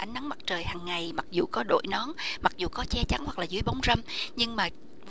nắng mặt trời hằng ngày mặc dù có đội nón mặc dù có che chắn hoặc là dưới bóng râm nhưng mà